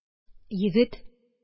Егет